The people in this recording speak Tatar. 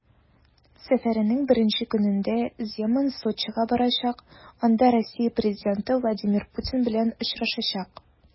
Сәфәренең беренче көнендә Земан Сочига барачак, анда Россия президенты Владимир Путин белән очрашачак.